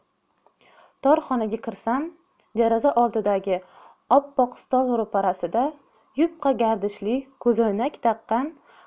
tor xonaga kirsam deraza oldidagi oppoq stol ro'parasida yupqa gardishli ko'zoynak taqqan